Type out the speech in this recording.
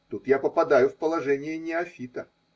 Тут я попадаю в положение неофита.